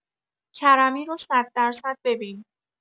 کرمی رو ۱۰۰ درصد ببین